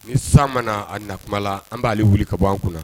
Ni san mana a na kuma la an b'ale wuli ka bɔ an kunna